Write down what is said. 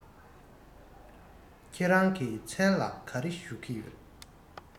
ཁྱེད རང གི མཚན ལ ག རེ ཞུ གི ཡོད